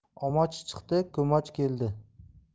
omoch chiqdi ko'moch keldi